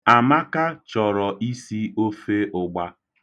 Amaka chọrọ isi ofe ụgba.